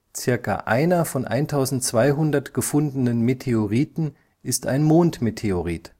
Circa einer von 1200 gefundenen Meteoriten ist ein Mondmeteorit